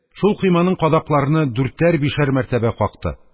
Шул койманың кадакларыны дүртәр-бишәр мәртәбә какты.